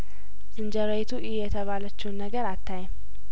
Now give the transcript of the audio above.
ዝንጀሮዪቱ እዪ የተባለችውን ነገር አታይም